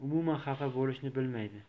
umuman xafa bo'lishni bilmaydi